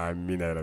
Amina yarabi